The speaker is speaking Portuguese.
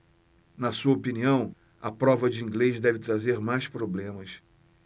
na sua opinião a prova de inglês deve trazer mais problemas